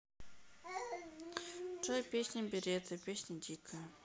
джой песня беретта песня дикая